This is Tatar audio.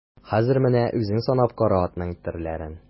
Хәзер менә үзең санап кара атның төрләрен.